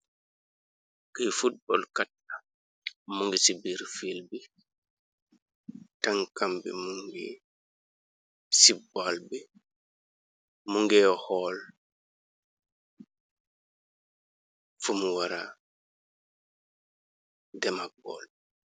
Ki fuutbol kat la mungi ci biir fiil bi tankam bi mu ngi si boal bi mugeh xool fumu wara dem ak boal.